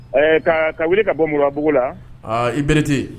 Ɛɛ kaa ka wuli ka bɔ Moribabugu laa aa i Berete